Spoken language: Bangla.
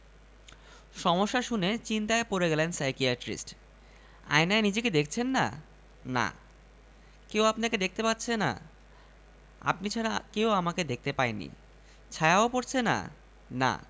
মন্ত্রী মহোদয় বাড়ির প্রতিটি সদস্যের সামনে দিয়ে হাঁটছেন চলছেন ডাকছেন কথা বলছেন অথচ কেউ তাঁকে দেখতে পাচ্ছে না